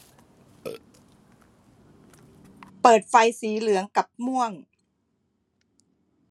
เปิดไฟสีเหลืองกับม่วง